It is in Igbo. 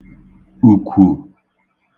ùkwù